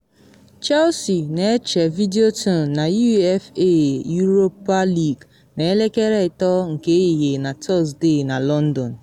Chelsea na eche Videoton na UEFA Europa League na elekere 3 nke ehihie na Tọsde na London.